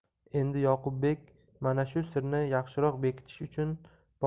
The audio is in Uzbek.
endi yoqubbek mana shu sirni yaxshiroq bekitish